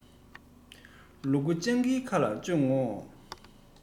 ལུ གུ སྤྱང ཀིའི ཁ ལ བཅུག ཡོང ངོ